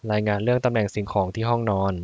รายงานเรื่องตำแหน่งสิ่งของที่ห้องนอน